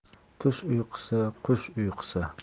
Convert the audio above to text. tush uyqusi qush uyqusi